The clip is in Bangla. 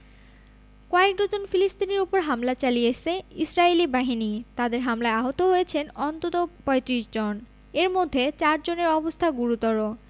কয়েক ডজন ফিলিস্তিনির ওপর হামলা চালিয়েছে ইসরাইলি বাহিনী তাদের হামলায় আহত হয়েছেন অন্তত ৩৫ জন এর মধ্যে চার জনের অবস্থা গুরুত্বর